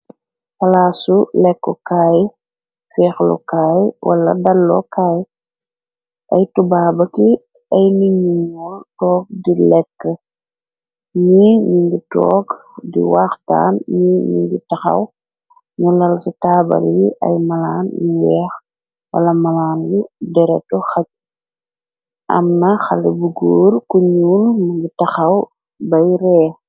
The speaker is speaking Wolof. xalaasu lekku kaay feexlukaay wala dallookaay ay tubaaba ki ay niñu moo toog di lekk ñi ñi ngi toog di waaxtaan ñi ni ngi taxaw ñu lal ci taabal yi ay malaan yu weex wala malaan yu deretu xacj am na xale bu góur ku ñuun mangi taxaw bay ree